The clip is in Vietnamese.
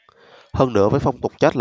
hơn nữa với phong tục chết